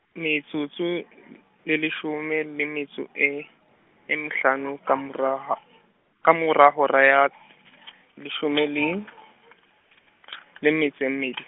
metsotso l-, le leshome le metso e, e mehlano ka mora, ka mora hora ya , leshome le, le metso e mmedi.